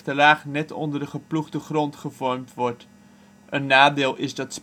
laag net onder de geploegde grond, gevormd wordt. Een nadeel is dat